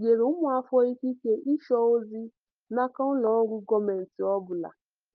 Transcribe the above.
nyere ụmụafọ ikike ịchọ ozi n'aka ụlọọrụ gọọmentị ọbụla.